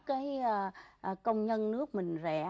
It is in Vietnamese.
cái a a công nhân nước mình rẻ